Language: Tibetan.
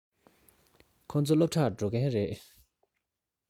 ཁོ ཚོ སློབ གྲྭར འགྲོ མཁན རེད